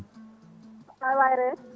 an e wayrede